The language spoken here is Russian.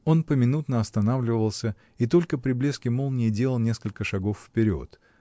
Он поминутно останавливался и только при блеске молнии делал несколько шагов вперед.